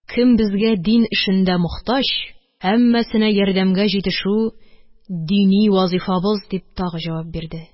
Кем безгә дин эшендә мохтаҗ, һәммәсенә ярдәмгә җитешү – дини вазифабыз, – дип, тагы җавап бирде